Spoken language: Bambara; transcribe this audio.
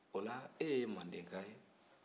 o la e ye mandeka ye